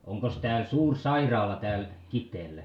onkos täällä suuri sairaala täällä Kiteellä